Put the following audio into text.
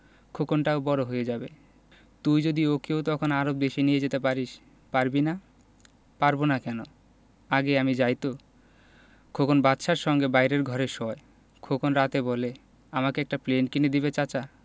খোকনটাও বড় হয়ে যাবে তুই যদি ওকেও তখন আরব দেশে নিয়ে যেতে পারিস পারবি না পারব না কেন আগে আমি যাই তো খোকন বাদশার সঙ্গে বাইরের ঘরে শোয় খোকন রাতে বলে আমাকে একটা প্লেন কিনে দিবে চাচা